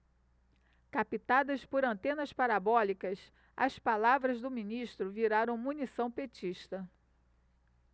captadas por antenas parabólicas as palavras do ministro viraram munição petista